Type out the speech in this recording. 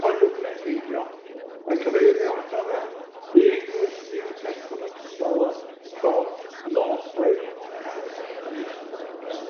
coeliwch neu beidio yn cyfeirio ato fel The English New Testament Scholar from North Wales.